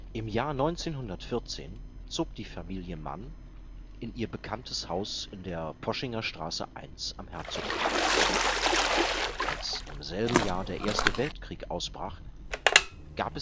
Im Jahr 1914 zog die Familie Mann in ihr bekanntes Haus in der Poschingerstraße 1 am Herzogpark. Als im selben Jahr der Erste Weltkrieg ausbrach, gab